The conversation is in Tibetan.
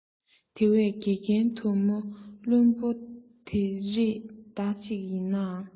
དེ བས དགེ རྒན དུང མོའི བརློན པ དེ རེས ཟླ གཅིག ཡིན ནའང